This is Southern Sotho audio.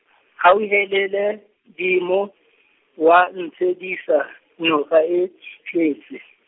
hauhelele, dimo wa ntshedisa noka e tletse.